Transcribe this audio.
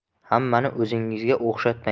hammani o'zingizga o